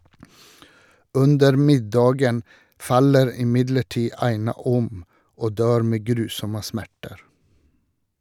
Under middagen faller imidlertid Aina om og dør med grusomme smerter.